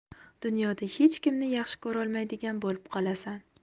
dunyoda hech kimni yaxshi ko'rolmaydigan bo'lib qolasan